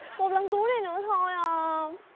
một lần cuối này nữa thôi à